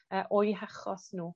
yy o'u hachos nw.